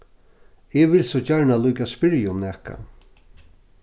eg vil so gjarna líka spyrja um nakað